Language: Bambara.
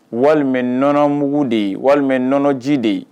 Walima nɔnɔmbugu de ye walima nɔnɔji de ye